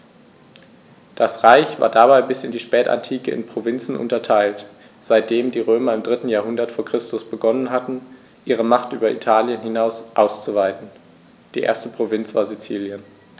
Das Reich war dabei bis in die Spätantike in Provinzen unterteilt, seitdem die Römer im 3. Jahrhundert vor Christus begonnen hatten, ihre Macht über Italien hinaus auszuweiten (die erste Provinz war Sizilien).